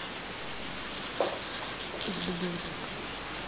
ублюдок